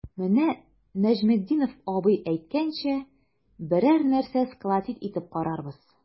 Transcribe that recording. Менә Нәҗметдинов абый әйткәнчә, берәр нәрсә сколотить итеп карарбыз.